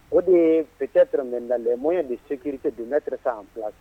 O de ye perete na m de se giririte don n nere se'an fila